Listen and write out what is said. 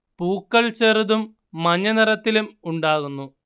പൂക്കൾ ചെറുതും മഞ്ഞ നിറത്തിലും ഉണ്ടാകുന്നു